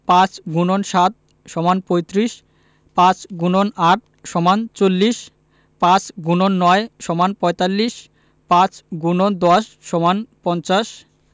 ৫× ৭ = ৩৫ ৫× ৮ = ৪০ ৫x ৯ = ৪৫ ৫×১০ = ৫০